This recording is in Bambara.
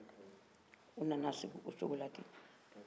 u nana sigin o coko la ten